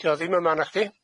'Di o ddim yma nacdi?